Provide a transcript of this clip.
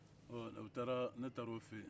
ne taar'o fɛ yen